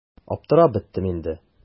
Аптырап беттем инде.